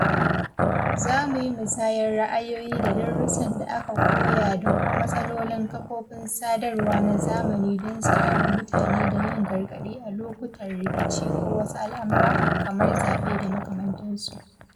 Za mu yi musayar ra'ayoyi da darussan da aka koya da kuma matsalolin kafofin sadarwa na zamani don sanar da mutane da yin gargaɗi a lokutan rikici ko wasu al'amura (kamar zaɓe da makamantansu).